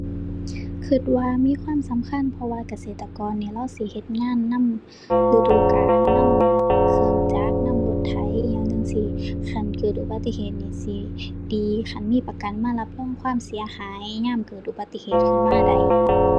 คิดว่ามีความสำคัญเพราะว่าเกษตรกรนี่เลาสิเฮ็ดงานนำฤดูกาล นำเครื่องจักร นำรถไถอิหยังจั่งซี้ คันเกิดอุบัติเหตุนี่สิดี คันมีประกันมารับรองความเสียหายยามเกิดอุบัติเหตุขึ้นมาได้